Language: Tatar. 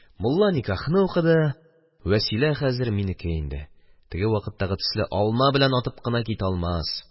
Мулла никахны укыды, Вәсилә хәзер минеке инде, теге вакыттагы төсле, алма белән атып кына китә алмас.